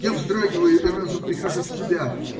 Я вздрагиваю и разом прихожу в себя.